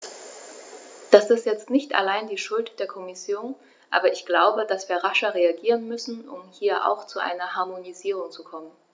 Das ist jetzt nicht allein die Schuld der Kommission, aber ich glaube, dass wir rascher reagieren müssen, um hier auch zu einer Harmonisierung zu kommen.